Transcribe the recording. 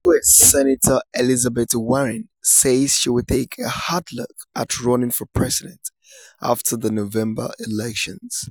U.S. Sen. Elizabeth Warren says she'll take a "hard look at running for president" after the November elections.